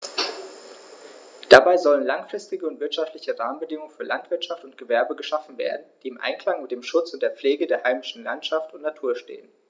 Dabei sollen langfristige und wirtschaftliche Rahmenbedingungen für Landwirtschaft und Gewerbe geschaffen werden, die im Einklang mit dem Schutz und der Pflege der heimischen Landschaft und Natur stehen.